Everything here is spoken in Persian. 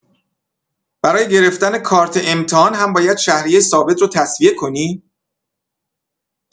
برای گرفتن کارت امتحان هم باید شهریه ثابت رو تسویه کنی؟